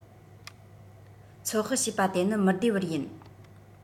ཚོད དཔག བྱས པ དེ ནི མི བདེ བར ཡིན